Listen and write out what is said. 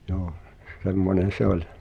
joo semmoinen se oli